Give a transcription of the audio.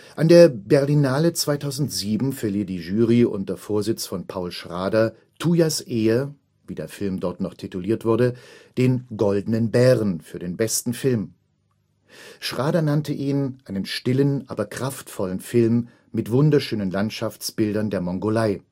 An der Berlinale 2007 verlieh die Jury unter Vorsitz von Paul Schrader Tuyas Ehe, wie der Film dort noch tituliert wurde, den Goldenen Bären für den besten Film. Schrader nannte ihn „ einen stillen, aber kraftvollen Film “mit „ wunderschönen Landschaftsbildern der Mongolei